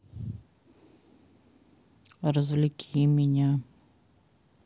развлеки меня